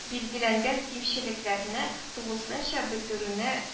Билгеләнгән кимчелекләрне тулысынча бетерүне